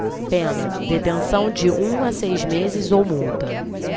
pena detenção de um a seis meses ou multa